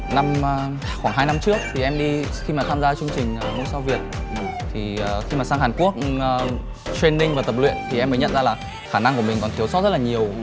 năm a khoảng hai năm trước thì em đi khi mà tham gia chương trình ngôi sao việt thì khi mà sang hàn quốc trên ninh và tập luyện thì em mới nhận ra là khả năng của mình còn thiếu sót rất và nhiều